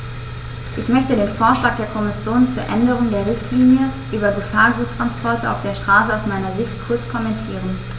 Ich möchte den Vorschlag der Kommission zur Änderung der Richtlinie über Gefahrguttransporte auf der Straße aus meiner Sicht kurz kommentieren.